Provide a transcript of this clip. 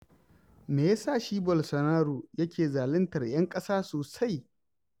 Me ya sa shi [Bolsonaro] yake zaluntar 'yan ƙasa sosai?